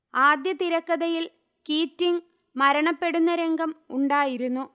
ആദ്യ തിരക്കഥയിൽ കീറ്റിംഗ് മരണപ്പെടുന്ന രംഗം ഉണ്ടായിരുന്നു